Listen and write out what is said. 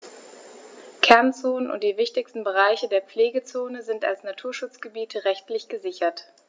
Kernzonen und die wichtigsten Bereiche der Pflegezone sind als Naturschutzgebiete rechtlich gesichert.